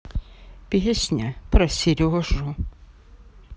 песня про сережу